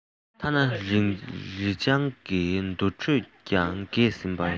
ཐ ན རི སྤྱང གི འདུར འགྲོས ཀྱང གྱེས ཟིན པས